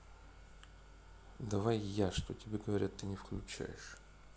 давай я что тебе говорят ты не включаешь